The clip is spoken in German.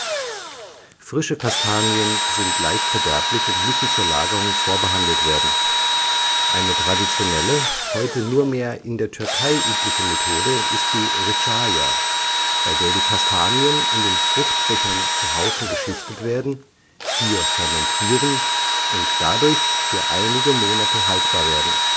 Frische Kastanien sind leicht verderblich und müssen zur Lagerung vorbehandelt werden. Eine traditionelle, heute nur mehr in der Türkei übliche Methode ist die „ Ricciaia “, bei der die Kastanien in den Fruchtbechern zu Haufen geschichtet werden, hier fermentieren und dadurch für einige Monate haltbar werden